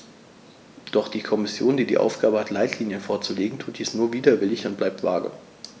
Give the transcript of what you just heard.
Doch die Kommission, die die Aufgabe hat, Leitlinien vorzulegen, tut dies nur widerwillig und bleibt vage.